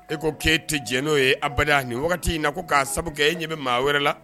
E ko k' ee tɛ n'o ye abali nin wagati in na ko'a sababu kɛ e ɲɛ bɛ maa wɛrɛ la